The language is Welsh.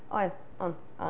Oedd, o'n, o'n.